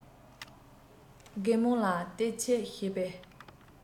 རྒད མོང ལ སྟེར ཆད བྱེད པའི